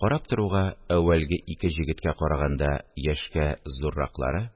Карап торуга әүвәлге ике җегеткә караганда яшькә зурраклары –